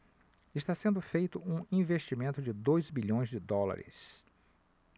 está sendo feito um investimento de dois bilhões de dólares